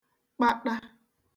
kpaṭa